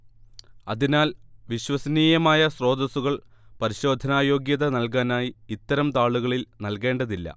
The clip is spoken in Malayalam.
അതിനാൽ വിശ്വസനീയമായ സ്രോതസ്സുകൾ പരിശോധനായോഗ്യത നൽകാനായി ഇത്തരം താളുകളിൽ നൽകേണ്ടതില്ല